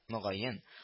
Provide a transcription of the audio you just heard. Мөгаен